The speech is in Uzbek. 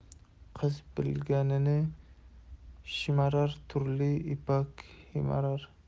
qiz bilagini shimarar turli ipakhimarar